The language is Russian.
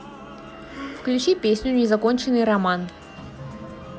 включи песню незаконченный роман